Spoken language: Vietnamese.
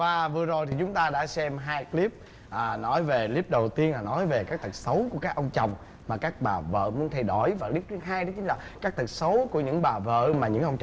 và vừa rồi chúng ta đã xem hai cờ líp à nói về cờ líp đầu tiên nói về các tật xấu của các ông chồng mà các bà vợ muốn thay đổi và cờ líp thứ hai đó chính là các tật xấu của những bà vợ mà những ông